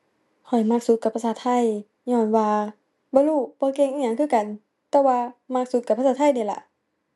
ข้อยมักสุดก็ภาษาไทย ญ้อนว่า บ่รู้ บ่เก่งอิหยังคือกัน แต่ว่ามักสุดก็ภาษาไทยนี่ล่ะ